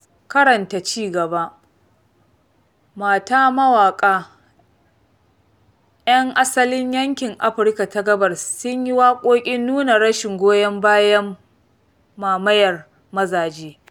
Karanta cigaba: Mata mawaƙa 'yan asalin yankin Afirka ta Gabas sun yi waƙoƙin nuna rashin goyon bayan mamayar mazaje.